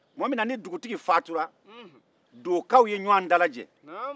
dugutigi faatula dokaw ye ɲɔgɔn dalajɛ